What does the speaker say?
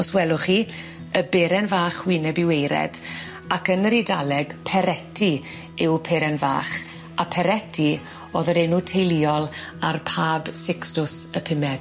Os welwch chi y beren fach wyneb i weired ac yn yr Idaleg Pereti yw peren fach a Pereti o'dd yr enw teuluol ar Pab Sixtws y Pumed.